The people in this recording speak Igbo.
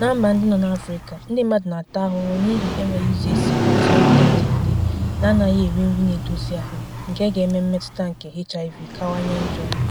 Na mba ndị nọ n'Afrịka, ndị mmadụ na-ata ahụhụ n'ihi enweghị ụzọ esi ebuta nrị na-adigide, na anaghị eri nri na-edozi ahụ nke na-eme mmetụta nke HIV kawanye njọ.